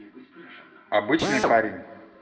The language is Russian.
обычный парень